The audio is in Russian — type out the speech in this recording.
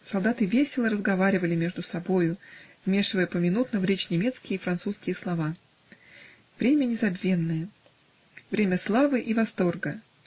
Солдаты весело разговаривали между собою, вмешивая поминутно в речь немецкие и французские слова. Время незабвенное! Время славы и восторга!